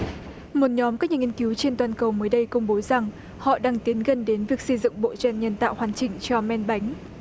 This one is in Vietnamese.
một nhóm các nhà nghiên cứu trên toàn cầu mới đây công bố rằng họ đang tiến gần đến việc xây dựng bộ gien nhân tạo hoàn chỉnh cho men bánh